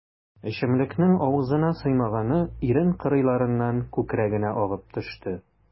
Эчемлекнең авызына сыймаганы ирен кырыйларыннан күкрәгенә агып төште.